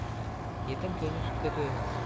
yetim ko'zi sutga to'ymas